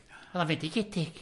Oedd o'n fendigedig.